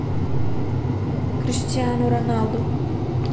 криштиану роналду